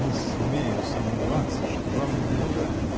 — Не смею сомневаться, что вам немного.